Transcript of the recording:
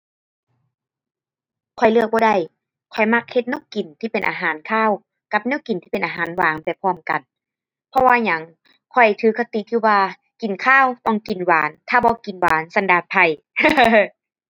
ข้อยเลือกบ่ได้ ข้อยมักเฮ็ดแนวกินที่เป็นอาหารคาวกับแนวกินที่เป็นอาหารหวานไปพร้อมกัน เพราะว่าหยังข้อยถือคติที่ว่า กินคาวต้องกินหวานถ้าบ่กินหวานสันดานไพร่